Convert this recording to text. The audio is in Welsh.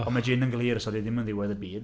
Ond mae gin yn glir, so oedd hi ddim yn ddiwedd y byd.